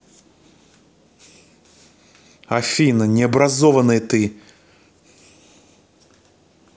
афина необразованное ты